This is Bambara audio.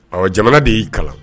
Ɔ jamana de y'i kalan